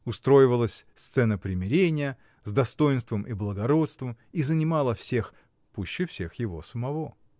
устроивалась сцена примирения, с достоинством и благородством, и занимала всех, пуще всех его самого.